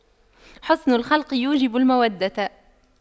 حُسْنُ الخلق يوجب المودة